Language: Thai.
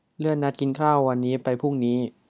เลื่อนนัดกินข้าววันนี้ไปพรุ่งนี้